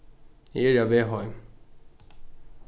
eg eri á veg heim